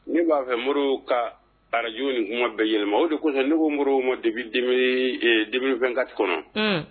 Ne b'a fɛ mori ka araj ni kuma bɛɛ yɛlɛma ma o de ne ko ma defɛnkati kɔnɔ